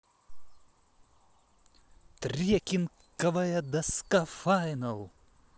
треккинговая доска final